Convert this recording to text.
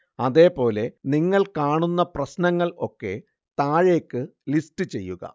അതേ പോലെ നിങ്ങൾ കാണുന്ന പ്രശ്നങ്ങൾ ഒക്കെ താഴേക്ക് ലിസ്റ്റ് ചെയ്യുക